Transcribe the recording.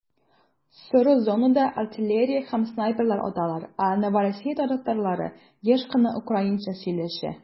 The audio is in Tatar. Соры зонада артиллерия һәм снайперлар аталар, ә Новороссия тарафтарлары еш кына украинча сөйләшә.